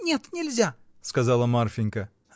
— Нет, нельзя, — сказала Марфинька.